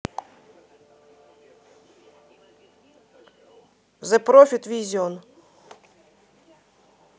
зе профит визион